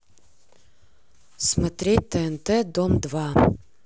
смотреть тнт дом два